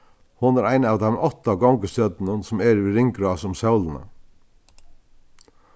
hon er ein av teimum átta gongustjørnunum sum eru í ringrás um sólina